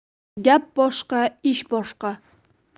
gap boshqa ish boshqa